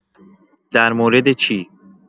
درمورد چی؟